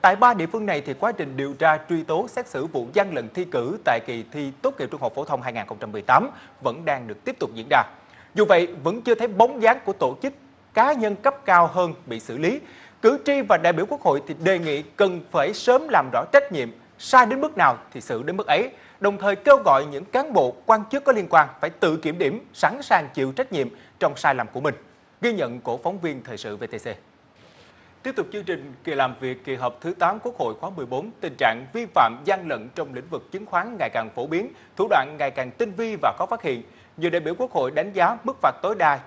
tại ba địa phương này thì quá trình điều tra truy tố xét xử vụ gian lận thi cử tại kỳ thi tốt nghiệp trung học phổ thông hai nghìn không trăm mười tám vẫn đang được tiếp tục diễn đạt dù vậy vẫn chưa thấy bóng dáng của tổ chức cá nhân cấp cao hơn bị xử lý cử tri và đại biểu quốc hội đề nghị cần phải sớm làm rõ trách nhiệm sai đến mức nào thì xử đến mức ấy đồng thời kêu gọi những cán bộ quan chức có liên quan phải tự kiểm điểm sẵn sàng chịu trách nhiệm trong sai lầm của mình ghi nhận của phóng viên thời sự vê tê cê tiếp tục chương trình kỳ làm việc kỳ họp thứ tám quốc hội khóa mười bốn tình trạng vi phạm gian lận trong lĩnh vực chứng khoán ngày càng phổ biến thủ đoạn ngày càng tinh vi và khó phát hiện nhiều đại biểu quốc hội đánh giá mức phạt tối đa